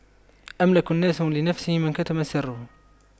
أملك الناس لنفسه من كتم سره